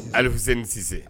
Ali fusen sisanse